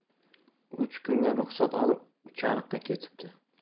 uch kunga ruxsat olib uchariqqa ketibdi